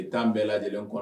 Tan bɛɛ lajɛlen kɔrɔ